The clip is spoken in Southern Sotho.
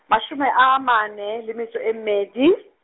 mashome a a mane le metso e mmedi.